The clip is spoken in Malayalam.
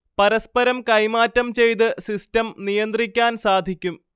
പരസ്പരം കൈമാറ്റം ചെയ്ത് സിസ്റ്റം നിയന്ത്രിക്കാൻ സാധിക്കും